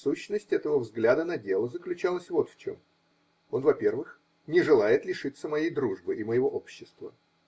Сущность этого взгляда на дело заключалась вот в чем: он, во первых, не желает лишиться моей дружбы и моего общества